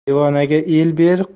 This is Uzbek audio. devonaga el ber